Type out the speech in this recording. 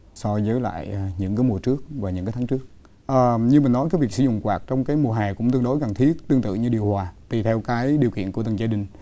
so với lại những cái mùa trước và những cái tháng trước ờm như vừa nói cái việc sử dụng quạt trong các mùa hè cũng tương đối cần thiết tương tự như điều hòa tùy theo cái điều kiện của từng gia đình